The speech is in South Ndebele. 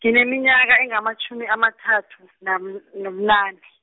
ngineminyaka engamatjhumi amathathu, nabu- n- nobunane.